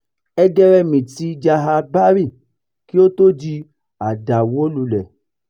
Ẹgẹrẹmìtì “Jahaj Bari” kí ó tó di àdàwólulẹ̀.